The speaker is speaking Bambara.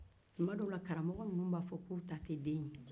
tuma dɔ la karamɔgɔ ninnuw b'a fɔ ko oluw ta tɛ den in ye